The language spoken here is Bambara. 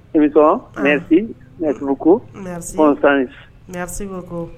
I bɛ kosan